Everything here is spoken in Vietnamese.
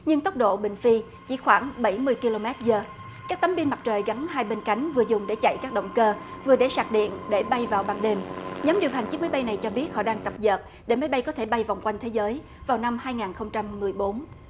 nhưng tốc độ bình phi chỉ khoảng bảy mươi ki lô mét giờ các tấm pin mặt trời gắn hai bên cánh vừa dùng để chạy các động cơ vừa để sạc điện để bay vào ban đêm nhóm điều hành chiếc máy bay này cho biết họ đang tập dượt để máy bay có thể bay vòng quanh thế giới vào năm hai ngàn không trăm mười bốn